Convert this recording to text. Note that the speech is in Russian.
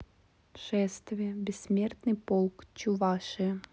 шествие бессмертный полк чувашия